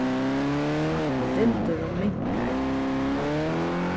vindurin minkar